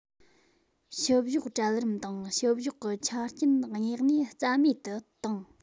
བཤུ གཞོག གྲལ རིམ དང བཤུ གཞོག གི ཆ རྐྱེན དངོས གནས རྩ མེད དུ བཏང